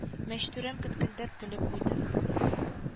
Мәчтүрәм кеткелдәп көлеп куйды